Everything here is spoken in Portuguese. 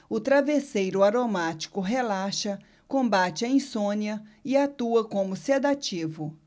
o travesseiro aromático relaxa combate a insônia e atua como sedativo